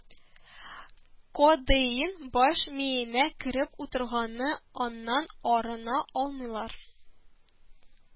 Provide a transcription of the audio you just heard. Кодеин баш миенә кереп утырганы, аннан арына алмыйлар